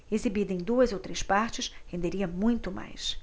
exibida em duas ou três partes renderia muito mais